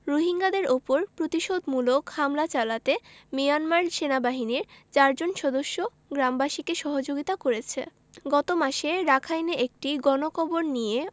রোহিঙ্গাদের ওপর প্রতিশোধমূলক হামলা চালাতে মিয়ানমার সেনাবাহিনীর চারজন সদস্য গ্রামবাসীকে সহযোগিতা করেছে গত মাসে রাখাইনে একটি গণকবর নিয়ে